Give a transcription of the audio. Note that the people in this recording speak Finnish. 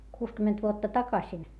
kuusikymmentä vuotta takaisin